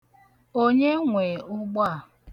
Onye nwe ụgbọ a?